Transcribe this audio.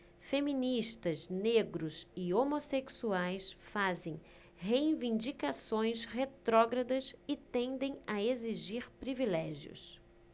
feministas negros e homossexuais fazem reivindicações retrógradas e tendem a exigir privilégios